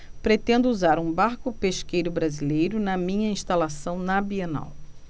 pretendo usar um barco pesqueiro brasileiro na minha instalação na bienal